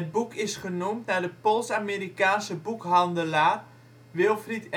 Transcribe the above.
boek is genoemd naar de Pools-Amerikaanse boekhandelaar Wilfrid